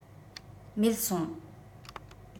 མེད སོང